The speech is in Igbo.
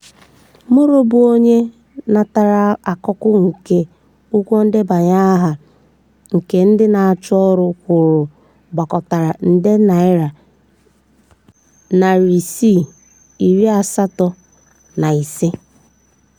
Moro bụ onye natara akụkụ nke ụgwọ ndebanye aha nke ndị na-achọ ọrụ kwụrụ gbakọtara nde naira 675 [ihe dị ka nde $1.8 USD].